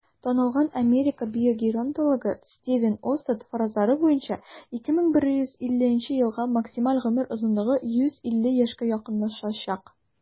Танылган Америка биогеронтологы Стивен Остад фаразлары буенча, 2150 елга максималь гомер озынлыгы 150 яшькә якынлашачак.